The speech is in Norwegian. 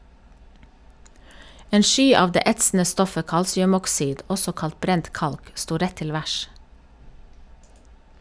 En sky av det etsende stoffet kalsiumoksid, også kalt brent kalk, sto rett til værs.